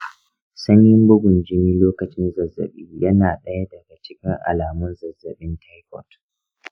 sanyin bugun jini lokacin zazzabi yana daya daga cikin alamun zazzabin taifot